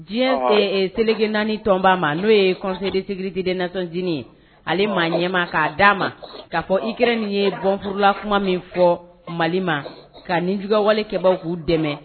Diɲɛse selik naani tɔnba ma n'o ye kɔ de sbidid naonc ye ale maa ɲɛma k'a d'a ma k kaa fɔ ik nin ye bɔnfla kuma min fɔ mali ma ka ninjuguwalekɛ baw k'u dɛmɛ